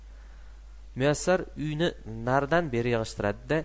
muyassar uyni naridan beri yig'ishtiradi da